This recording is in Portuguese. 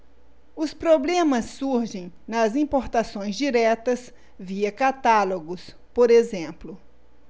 os problemas surgem nas importações diretas via catálogos por exemplo